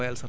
waaw